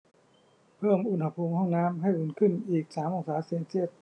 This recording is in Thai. เพิ่มอุณหภูมิห้องน้ำให้อุ่นขึ้นอีกสามองศาเซลเซียส